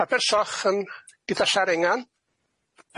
Paper soch yn githasa'r engan.